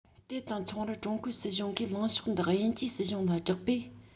དེ དང མཚུངས པར ཀྲུང གོའི སྲིད གཞུང གིས ལངས ཕྱོགས འདི དབྱིན ཇིའི སྲིད གཞུང ལ བསྒྲགས པས